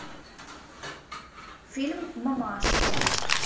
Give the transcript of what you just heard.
фильм мамаши